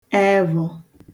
evụ̄